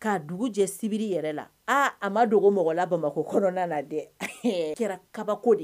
Kaa dugu jɛ sibiri yɛrɛ la aa a ma dogo mɔgɔla bamakɔ kɔnɔna na dɛ kɛra kabako de ye